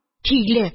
Тиле